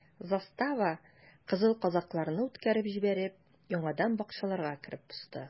Застава, кызыл казакларны үткәреп җибәреп, яңадан бакчаларга кереп посты.